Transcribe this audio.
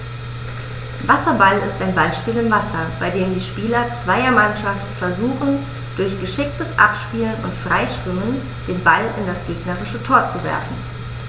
Wasserball ist ein Ballspiel im Wasser, bei dem die Spieler zweier Mannschaften versuchen, durch geschicktes Abspielen und Freischwimmen den Ball in das gegnerische Tor zu werfen.